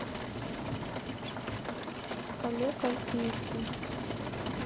олег альпийский